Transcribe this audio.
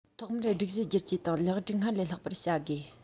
ཐོག མར སྒྲིག གཞི བསྒྱུར བཅོས དང ལེགས སྒྲིག སྔར ལས ལྷག པར བྱ དགོས